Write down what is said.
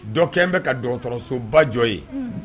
Dɔ kɛlen bɛ ka dɔgɔtɔrɔsobajɔ ye